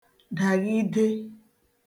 dàghide